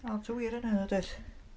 Lot o wir yn hynna does.